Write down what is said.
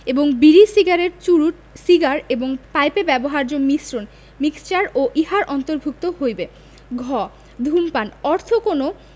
এবং বিড়ি সিগারেট চুরুট সিগার এবং পাইপে ব্যবহার্য মিশ্রণ মিক্সার ও ইহার অন্তর্ভুক্ত হইবে ঘ ধূমপান অর্থ কোন